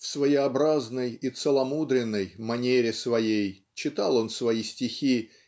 в своеобразной и целомудренной манере своей читал он свои стихи